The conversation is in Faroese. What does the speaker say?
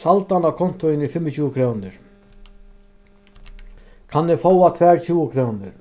saldan á kontuni er fimmogtjúgu krónur kann eg fáa tvær tjúgu krónur